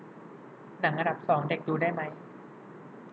หนังอันดับสองเด็กดูได้ไหม